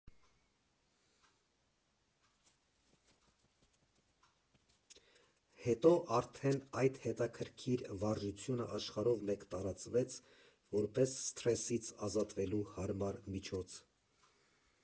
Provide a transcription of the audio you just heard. Հետո արդեն այդ հետաքրքիր վարժությունը աշխարհով տարածվեց որպես սթրեսից ազատվելու հարմար միջոց։